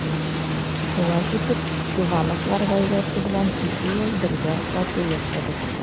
Шулай итеп Чувановлар гаиләсе белән ике ел бергә тату яшәдек.